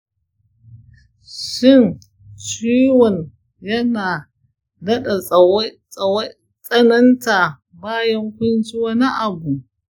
shin ciwon yana daɗa tsananta bayan kun ci wani abu?